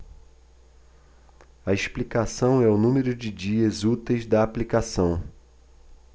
a explicação é o número de dias úteis da aplicação